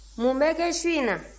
mun bɛ kɛ su in na